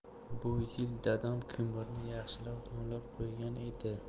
bu yil dadam ko'mirni yaxshilab g'amlab qo'ygan edi